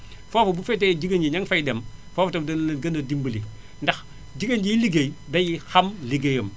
foo fu bu fekkee jigéen ñi ña nga fay dem foofu itam danañu leen gën a dimbali ndax jigéen jiy ligéey day xam ligéeyam